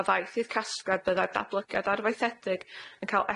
a ddaeth i'r casgliad bydda datblygiad arfaethedig yn ca'l